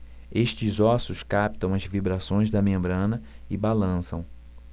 estes ossos captam as vibrações da membrana e balançam